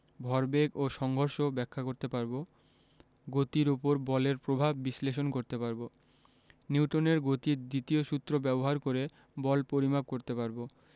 ভরবেগ ও সংঘর্ষ ব্যাখ্যা করতে পারব গতির উপর বলের প্রভাব বিশ্লেষণ করতে পারব নিউটনের গতির দ্বিতীয় সূত্র ব্যবহার করে বল পরিমাপ করতে পারব